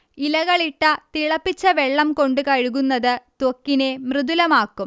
ഇലകളിട്ട തിളപ്പിച്ച വെള്ളം കൊണ്ടു കഴുകുന്നത് ത്വക്കിനെ മൃദുലമാക്കും